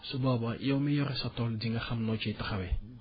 su boobaa yow mi yore sa tool di nga xam noo ciy taxawee